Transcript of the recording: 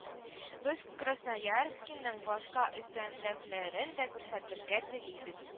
Без красноярскиның башка өстенлекләрен дә күрсәтергә телибез